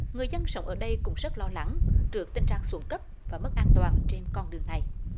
người dân sống ở đây cũng rất lo lắng trước tình trạng xuống cấp và mất an toàn trên con đường này